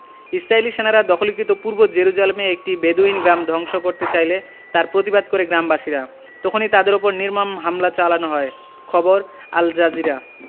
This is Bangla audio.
ইসরাইলি সেনারা দখলীকৃত পূর্ব জেরুজালেমে একটি বেদুইন গ্রাম ধ্বংস করতে চাইলে তার প্রতিবাদ করে গ্রামবাসীরা তখনই তাদের ওপর নির্মম হামলা চালানো হয় খবর আল জাজিরা